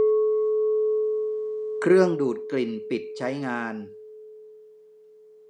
เครื่องดูดกลิ่นปิดใช้งาน